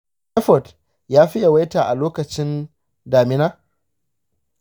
shin typhoid ya fi yawaita a lokacin damina?